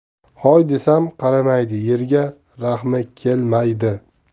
hoy desam qaramaydi yerga rahmi kelmaydi